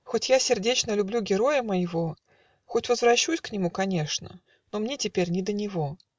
Хоть я сердечно Люблю героя моего, Хоть возвращусь к нему, конечно, Но мне теперь не до него.